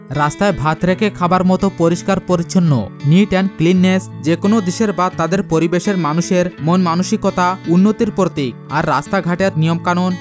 রাস্তায় ভাত রেখে খাবার মত পরিস্কার পরিচ্ছন্ন নিট এন্ড ক্লিন নেস যে কোন দেশের বা তাদের পরিবেশের মানুষের মন মানসিকতা উন্নতির প্রতীক আর রাস্তাঘাট এর নিয়ম কানুন